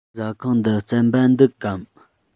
ཟ ཁང དུ རྩམ པ འདུག གམ